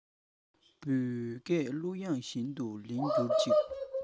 བོད སྐད གླུ དབྱངས བཞིན དུ ལེན འགྱུར ཅིག